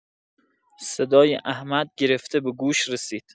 صدای احمد گرفته به گوش رسید.